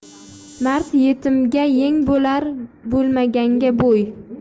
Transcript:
mard yetimga yeng bo'lar bo'lmaganga bo'y